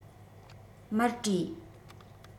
མར བྲོས